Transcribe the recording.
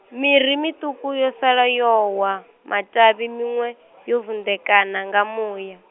miri miṱuku yo sala yo wa, matavhi manwe yo vunḓekana nga muya.